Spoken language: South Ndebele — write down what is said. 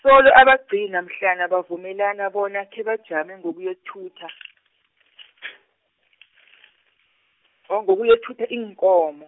solo abagqina mhlana bavumelana bona khebajame ngokuyokuthutha , ngokuyokuthutha iinkomo.